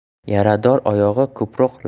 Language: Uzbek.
yarador oyog'i ko'proq